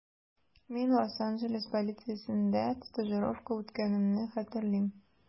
Мин Лос-Анджелес полициясендә стажировка үткәнемне хәтерлим.